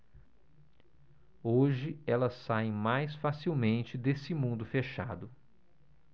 hoje elas saem mais facilmente desse mundo fechado